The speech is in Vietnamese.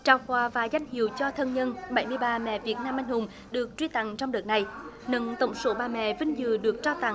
trao quà và danh hiệu cho thân nhân bảy mươi ba mẹ việt nam anh hùng được truy tặng trong đợt này nâng tổng số bà mẹ vinh dự được trao tặng